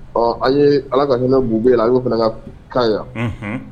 Ɔ an ye, Ala ka hinɛ Bubey la, an y'o fana ka cas ye yan. Unhun